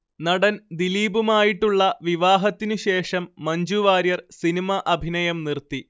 നടൻ ദിലീപുമായിട്ടുള്ള വിവാഹത്തിന് ശേഷം മഞ്ജു വാര്യർ സിനിമ അഭിനയം നിർത്തി